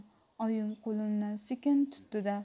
oyim qo'limdan sekin tutdi da